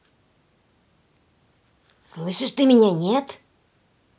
слышишь ты меня нет